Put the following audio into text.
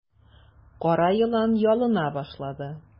Кара елан ялына башлады.